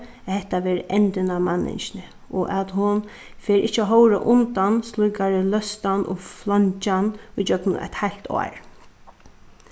at hetta verður endin á manningini og at hon fer ikki at hóra undan slíkari løstan og fleingjan ígjøgnum eitt heilt ár